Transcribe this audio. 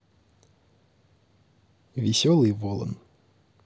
веселый волан